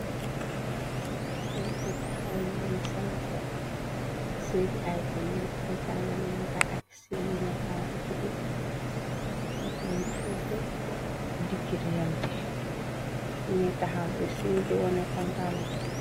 kul bu taxaw ni mu sanse sini ay peñem dafa jànga minta ak se yena faase tibik bu am fuufu dikkiryam bi nu taxaw bi siñ di wone kontaanaf